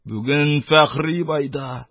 Бүген Фәхри байда